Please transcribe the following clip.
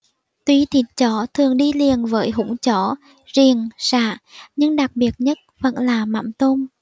tuy thịt chó thường đi liền với húng chó riềng sả nhưng đặc biệt nhất vẫn là mắm tôm